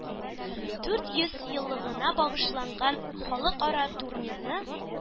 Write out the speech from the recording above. Дүрт йөз еллыгына багышланган халыкара турнирны